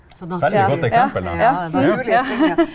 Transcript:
veldig godt eksempel da ja